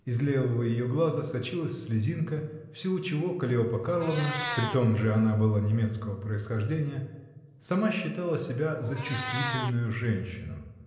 из левого ее глаза сочилась слезинка, в силу чего Каллиопа Карловна (притом же она была немецкого происхождения) сама считала себя за чувствительную женщину